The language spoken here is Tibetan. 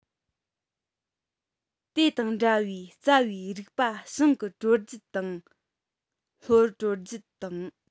དེ དང འདྲ བའི རྩ བའི རིགས པ བྱང གི དྲོ རྒྱུད དང ལྷོའི དྲོ རྒྱུད དང